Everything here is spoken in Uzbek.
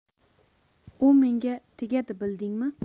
u menga tegadi bildingmi